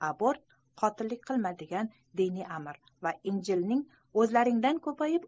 abort qotillik qilma degan diniy amr va injilning o'zlaringdan ko'payib